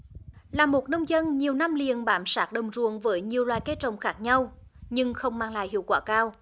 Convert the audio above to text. là một nông dân nhiều năm liền bám sát đồng ruộng với nhiều loài cây trồng khác nhau nhưng không mang lại hiệu quả cao